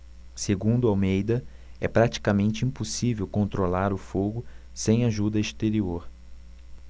segundo almeida é praticamente impossível controlar o fogo sem ajuda exterior